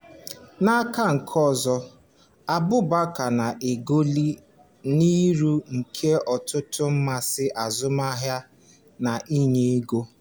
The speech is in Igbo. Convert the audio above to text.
N'aka nke ọzọ, Abubakar, na-egoli "n'uru" nke "ọtụtụ mmasị azụmahịa na-enye ego".